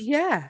Ie.